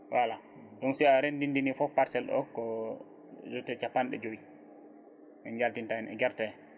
voilà donc si a rendini foof parcelle o ko * capanɗe joyyi en jaltinta hen e guerte he